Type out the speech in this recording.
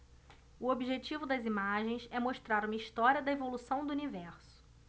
o objetivo das imagens é mostrar uma história da evolução do universo